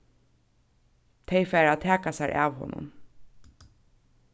tey fara at taka sær av honum